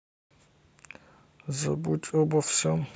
забудь обо всем